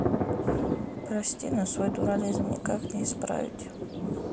прости но свой дурализм никак не исправить